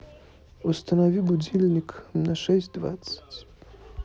установи будильник на шесть двадцать